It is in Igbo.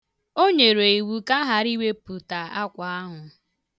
O nyere iwu ka a ghara iwepụta akwa ahụ.